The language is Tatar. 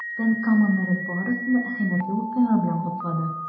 Түбән Кама мэры барысын да әһәмиятле вакыйга белән котлады.